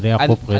ware xup te